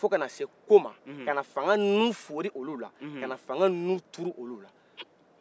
fo kana se ko ma kana fangan nin foori ulu la kana fangan nin turu ulu la